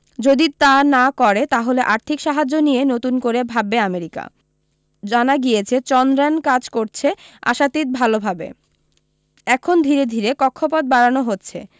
যদি তা না করে তাহলে আর্থিক সাহায্য নিয়ে নতুন করে ভাব্বে আমেরিকা জানা গিয়েছে চন্দ্র্যান কাজ করছে আশাতীত ভালভাবে এখন ধীরে ধীরে কক্ষপথ বাড়ানো হচ্ছে